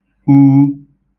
u